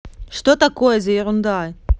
что такое за ерунда